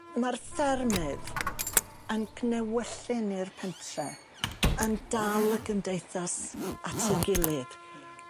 Ma'r ffermydd yn gnewyllyn i'r pentre yn dal y gymdeithas at ei gilydd.